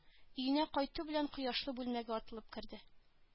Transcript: Өенә кайту белән кояшлы бүлмәгә атылып керде